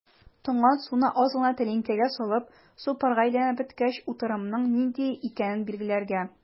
Тонган суны аз гына тәлинкәгә салып, су парга әйләнеп беткәч, утырымның нинди икәнен билгеләргә.